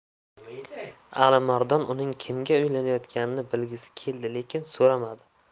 alimardon uning kimga uylanayotganini bilgisi keldi lekin so'ramadi